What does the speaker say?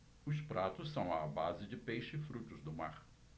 os pratos são à base de peixe e frutos do mar